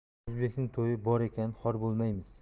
o'zbekning to'yi bor ekan xor bo'lmaymiz